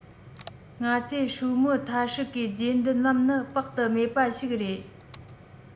ང ཚོས སུའུ མུའུ ཐ ཧྲི གིས རྗེས མདུན ལམ ནི དཔག ཏུ མེད པ ཞིག རེད